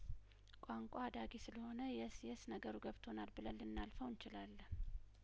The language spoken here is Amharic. ቋንቋ አዳጊ ስለሆነ የስ የስ ነገሩ ገብቶናል ብለን ልናልፈው እንችላለን